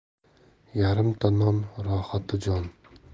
yarimta non rohati jon